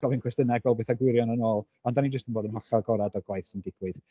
Gofyn cwestiynau i gael pethau gwirion yn ôl ond dan ni jyst yn bod yn hollol agored o'r gwaith sy'n digwydd.